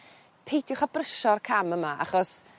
peidiwch â brysio'r cam yma achos